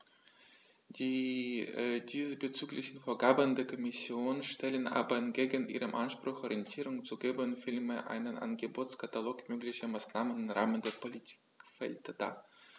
Die diesbezüglichen Vorgaben der Kommission stellen aber entgegen ihrem Anspruch, Orientierung zu geben, vielmehr einen Angebotskatalog möglicher Maßnahmen im Rahmen der Politikfelder dar.